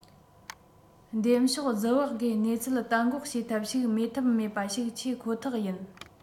འདེམས ཤོག རྫུ བག སྒོས གནས ཚུལ གཏན འགོག བྱེད ཐབས ཤིག མེད ཐབས མེད པ ཞིག ཆེད ཁོ ཐག ཡིན